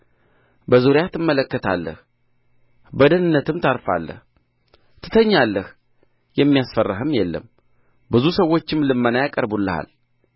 በዙሪያህ ትመለከታለህ በደኅንነትም ታርፋለህ ትተኛለህ የሚያስፈራህም የለም ብዙ ሰዎችም ልመና ያቀርቡልሃል